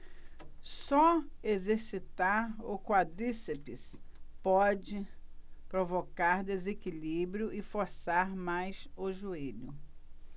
só exercitar o quadríceps pode provocar desequilíbrio e forçar mais o joelho